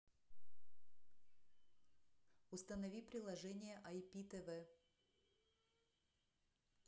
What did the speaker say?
установи приложение ай пи тв